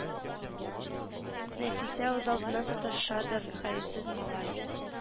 Нәфисә үзалдына саташадыр хәерсез малай